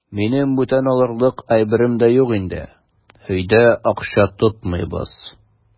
Минем бүтән алырлык әйберем дә юк инде, өйдә акча тотмыйбыз.